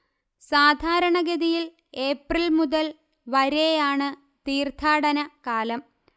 സാധാരണ ഗതിയിൽ ഏപ്രിൽ മുതൽ വരെയാണ് തീർത്ഥാടന കാലം